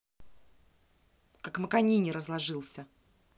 как маканине разложился